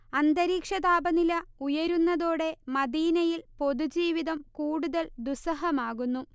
അന്തരീക്ഷതാപനില ഉയരുന്നതോടെ മദീനയിൽ പൊതുജീവിതം കുടുതൽ ദുസ്സഹമാകുന്നു